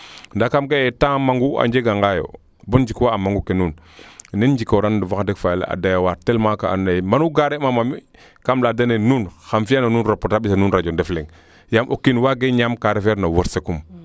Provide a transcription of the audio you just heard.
ndaa kam ga'e temps mangu a njenga ngaayo bon njik wa a mangu ke nuun nen njikooran wax deg fa yala a doyawaar telement kaa ando naye manu garer ma mi kam leya dene nuun xam fiya na nuun reportage mbisa nuun radio Ndefleng yaam o kiin waage ñaam ka refeer na wersekum